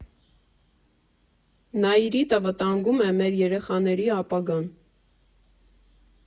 Նաիրիտը վտանգում է մեր երեխաների ապագան։